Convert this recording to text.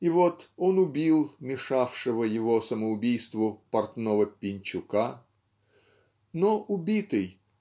И вот он убил мешавшего его самоубийству портного Пинчука но убитый